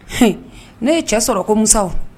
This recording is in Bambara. H ne ye cɛ sɔrɔ ko muw